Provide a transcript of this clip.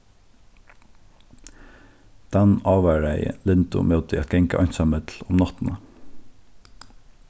dan ávaraði lindu móti at ganga einsamøll um náttina